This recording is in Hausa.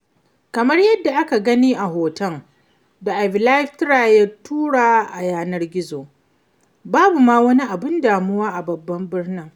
Kamar yadda aka gani a hoton da avylavitra ya tura a yanar gizo, babu ma wani abun damuwa a babban birnin.